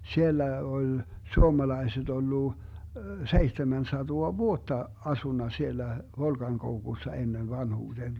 siellä oli suomalaiset ollut seitsemän sataa vuotta asunut siellä Volkankoukussa ennen vanhuuteen